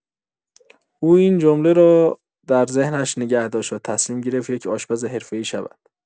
او این جمله را در ذهنش نگه داشت و تصمیم گرفت یک آشپز حرفه‌ای شود.